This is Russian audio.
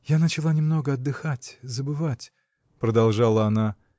— Я начала немного отдыхать, забывать. — продолжала она.